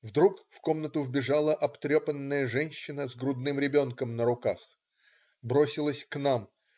Вдруг в комнату вбежала обтрепанная женщина, с грудным ребенком на руках. Бросилась к нам.